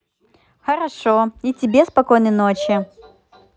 хорошо и тебе спокойной ночи